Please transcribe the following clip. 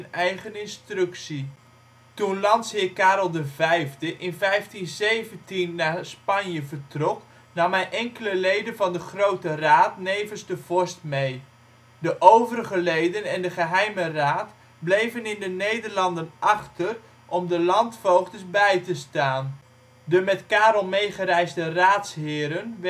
eigen instructie. Toen landsheer Karel V in 1517 naar Spanje vertrok nam hij enkele leden van Grote Raad nevens de Vorst mee. De overige leden en de Geheime Raad bleven in de Nederlanden achter om de landvoogdes bij te staan. De met Karel meegereisde raadsheren